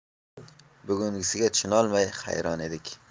bugungisiga tushunolmay hayron edik